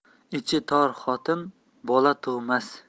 ichi tor xotin bola tug'mas